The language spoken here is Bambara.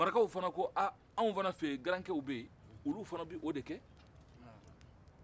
an fana fɛ ye garankew bɛ ye olu fana b'o de kɛ